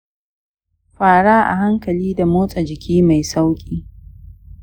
fara a hankali da motsa-jiki mai sauƙi